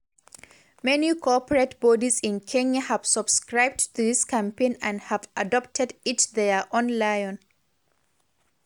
Many corporate bodies in Kenya have subscribed to this campaign and have ‘adopted’ each their own lion.